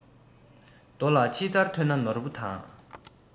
རྡོ ལ ཕྱི བདར ཐོན ན ནོར བུ དང